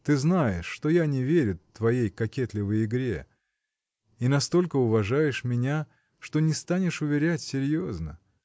Ты знаешь, что я не верю твоей кокетливой игре, — и настолько уважаешь меня, что не станешь уверять серьезно.